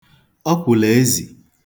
ọkwụ̀lụ̀ ezì